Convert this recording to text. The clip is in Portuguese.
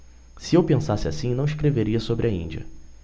se eu pensasse assim não escreveria sobre a índia